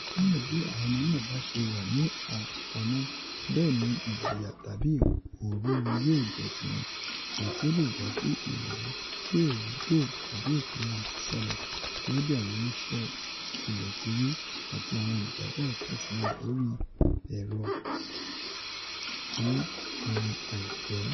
Niwọn bi awọn ọmọ naa baṣe wa ni apamọ, bẹẹ ni ijaya tabi iporuuru yoo jẹ ti wọn, eyi ti o le jasi irukerudo tabi ipinnu ati salọ, gẹgẹbi awọn oniṣẹ ile ti wi ati awọn ijabọ ti o farahan lori ẹrọ ni ou aipẹ.